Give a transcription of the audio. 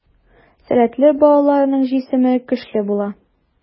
Сәләтле балаларның җисеме көчле була.